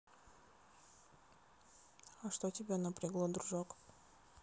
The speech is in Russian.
а что тебя напрягло дружок